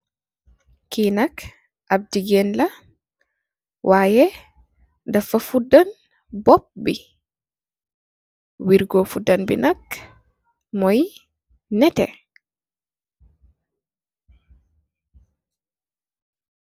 Ki nak ap gigeen la, wayeh dafa fudan bopú bi. Wirgo fudan bi moy netteh .